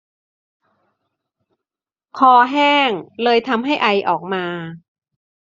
คอแห้งเลยทำให้ไอออกมา